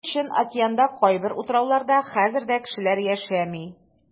Ни өчен океанда кайбер утрауларда хәзер дә кешеләр яшәми?